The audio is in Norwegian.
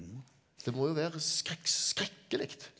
det må jo være skrekkelig.